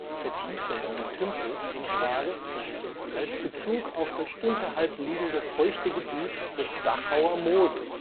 Vertiefung, Tümpel) in Frage, als Bezug auf das unterhalb liegende feuchte Gebiet des Dachauer Mooses